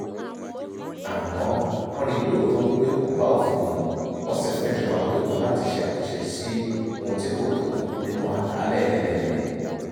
Àmọ́ wọ́n rí i lóòótọ́ wípé kò bá òfin mu wọ́n sì fún ìjọba lọ́dún kan láti ṣe àtúnṣe sí ohun tí kò tọ̀nà nínú àlàálẹ̀ LMA.